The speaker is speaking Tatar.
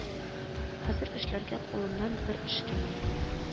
Хәзер эшләргә кулымнан бер эш килми